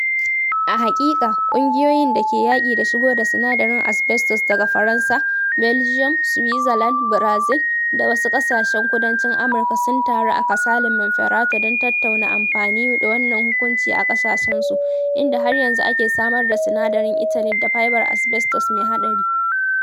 A haƙiƙa, ƙungiyoyin da ke yaƙi da shigo da sinadarin asbestos daga Faransa, Belgium, Switzerland, Brazil, da wasu ƙasashen Kudancin Amurka sun taru a Casale Monferrato don tattauna amfani da wannan hukuncin a ƙasashensu, inda har yanzu ake samar da sinadaran Eternit da fibar asbestos mai haɗari.